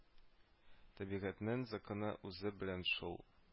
Табигатьнең законы үзе белән шул